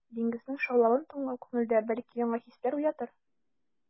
Диңгезнең шаулавын тыңлау күңелдә, бәлки, яңа хисләр уятыр.